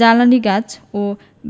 জ্বালানি গাছ ও